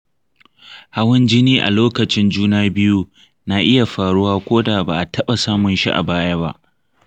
hawan jini a lokacin juna biyu na iya faruwa ko da ba a taɓa samun shi a baya ba.